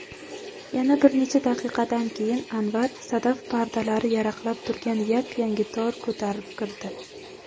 yana bir necha daqiqadan keyin anvar sadaf pardalari yaraqlab turgan yap yangi tor ko'tarib kirdi